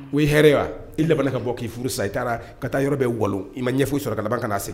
U hɛrɛ wa i labɛn ka bɔ k'i furu sa i taara ka taa yɔrɔ bɛ wolo i ma ɲɛ ɲɛfɔ sɔrɔ kaban ka n'a segin